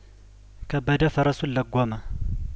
ከበደ ፈረሱን ለጐመ